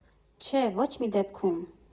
Չէ, ոչ մի դեպքում։